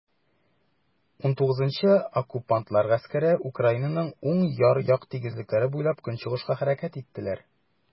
XIX Оккупантлар гаскәре Украинаның уң як яр тигезлекләре буйлап көнчыгышка хәрәкәт иттеләр.